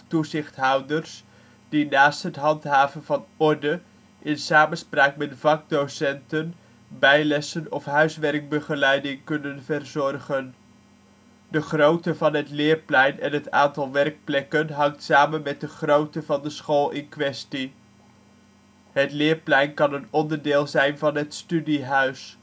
ondersteunend personeel) die naast het handhaven van orde, in samenspraak met vakdocenten, bijlessen of huiswerkbegeleiding kunnen verzorgen. De grootte van het leerplein en het aantal werkplekken hangt samen met de grootte van de school in kwestie. Het leerplein kan een onderdeel zijn van het studiehuis